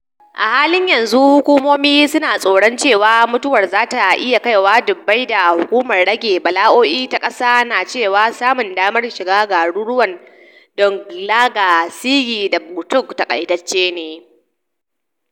A halin yanzu, hukumomi su na tsoron cewa mutuwar za ta iya kaiwa dubbai da hukumar rage bala’o’i ta kasar na cewa samun damar shiga garuruwan Donggala, Sigi da Boutong takaitacce ne.